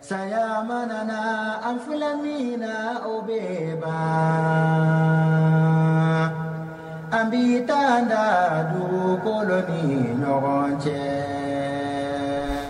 Saya an fila min na o bɛ ba an bii taa da dogokolo ni ɲɔgɔn cɛ